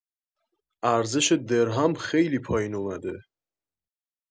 ارزش درهم خیلی پایین اومده